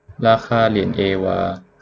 ราคาเหรียญเอวา